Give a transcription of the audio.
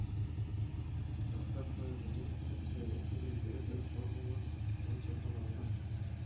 Рөхсәт кәгазенең бәясе билгеле бер формула буенча санала